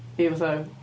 I fatha...